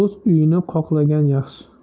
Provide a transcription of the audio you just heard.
do'st uyini qoqlagan yaxshi